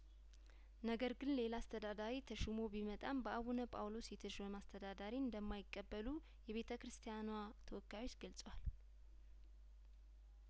ነገር ግን ሌላ አስተዳዳሪ ተሹሞ ቢመጣም በአቡነ ጳውሎስ የተሾመ አስተዳዳሪን እንደማይቀበሉ የቤተክርስቲያኗ ተወካዮች ገልጿል